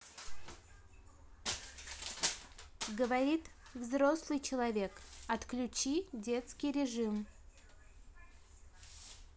говорит взрослый человек отключи детский режим